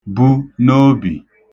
bu n'obi